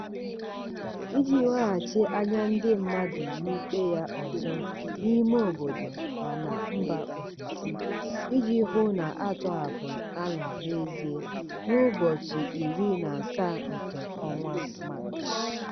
Iji weghachi anya ndị mmadụ n'ikpe ya ọzọ n'ime obodo ma na mba ofesi iji hụ na a tọhapụrụ Alaa n'ezie n'ụbọchị 17 nke Maachị.